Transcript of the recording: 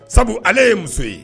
Sabu ale ye muso ye